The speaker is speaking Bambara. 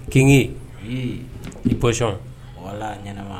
Kin i bosɔn wala ɲɛnama